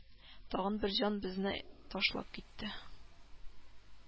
Тагын бер җан безне ташлап китте